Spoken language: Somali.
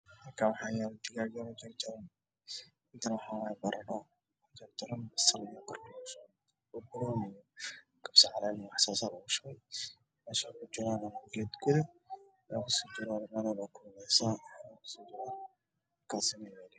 Meeshaan maxaa yeelo labo weel waxaa ku dhex jira cunto jackkin jubbaland